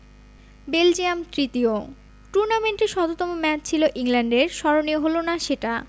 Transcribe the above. Belgium তৃতীয় টুর্নামেন্টে শততম ম্যাচ ছিল ইংল্যান্ডের স্মরণীয় হলো না সেটা